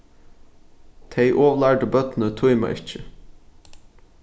tey ovlærdu børnini tíma ikki